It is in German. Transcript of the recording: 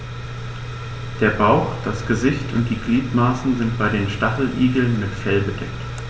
Der Bauch, das Gesicht und die Gliedmaßen sind bei den Stacheligeln mit Fell bedeckt.